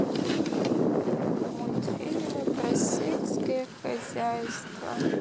мультфильмы про сельское хозяйство